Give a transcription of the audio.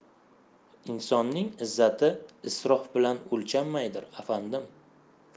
insonning izzati isrof bilan o'lchanmaydir afandim